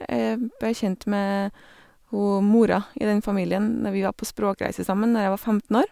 Jeg ble kjent med hun mora i den familien når vi var på språkreise sammen når jeg var femten år.